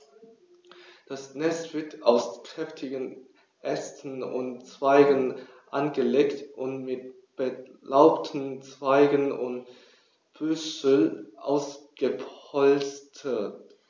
Das Nest wird aus kräftigen Ästen und Zweigen angelegt und mit belaubten Zweigen und Büscheln ausgepolstert.